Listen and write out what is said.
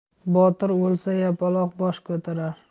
botir o'lsa yapaloq bosh ko'tarar